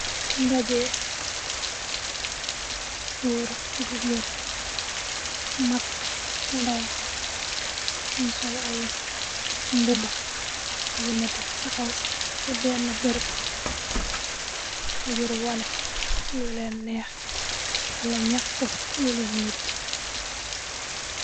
Ndaje goor jigeen mag ndaw, ñi sol ay mbuba yu nete taxaw ci benne bërëb, ngir wone lu leen neex, wala ñaxtu lu leen mitti.